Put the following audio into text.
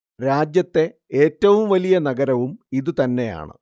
രാജ്യത്തെ ഏറ്റവും വലിയ നഗരവും ഇത് തന്നെയാണ്